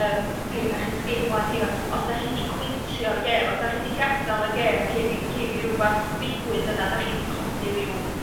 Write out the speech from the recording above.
yym rheina lly 'sgin blant ifan. Os dach chi 'di cwitio'r gêm os 'dach chi 'di gadal y gêm cyn i cyn i rwbath ddigwydd yna dach chi 'di colli ryw